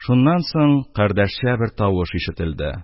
Шуннан соң кардәшчә бер тавыш ишетелде: